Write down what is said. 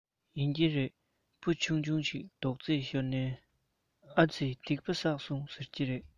ཡིན གྱི རེད འབུ ཆུང ཆུང ཅིག རྡོག རྫིས ཤོར ནའི ཨ རྩི སྡིག པ བསགས སོང ཟེར གྱི འདུག